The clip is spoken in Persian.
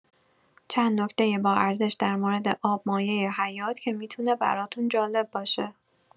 چند نکته باارزش در مورد آب مایع حیات که می‌تونه براتون‌جالب باشه